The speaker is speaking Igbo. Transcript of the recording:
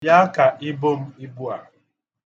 Bịa ka i bo m ibu a.